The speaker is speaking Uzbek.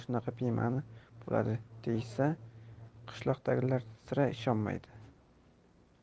shunaqa bemani bo'ladi deyishsa qishloqdagilar sira ishonmaydi